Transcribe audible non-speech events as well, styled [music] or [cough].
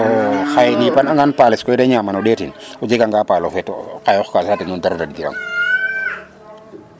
iyoo [noise] xaye in yipan angan pales koy de ñaman o ndetin o jega nga paal o feet kayoox ka saate nuun dara ɗad kiran iyoo